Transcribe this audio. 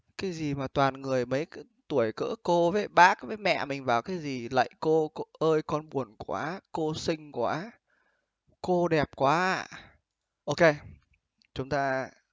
cái gì mà toàn người mấy tuổi cỡ cô với bác với mẹ mình vào cái gì lạy cô cô ơi con buồn quá cô xinh quá cô đẹp quá ô kê chúng ta